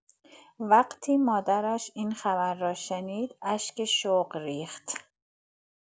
وقتی مادرش این خبر را شنید، اشک شوق ریخت.